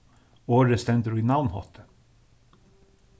orðið stendur í navnhátti